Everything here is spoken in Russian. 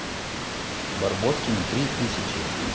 барбоскины три тысячи